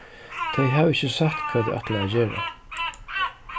tey hava ikki sagt hvat tey ætla at gera